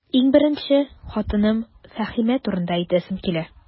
Иң беренче, хатыным Фәһимә турында әйтәсем килә.